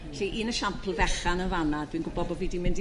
'lly un esiampl fechan yn fan 'na dw i'n gw'bo' bo fi 'dim mynd